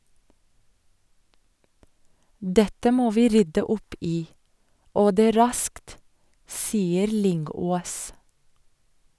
- Dette må vi rydde opp i, og det raskt, sier Lyngås.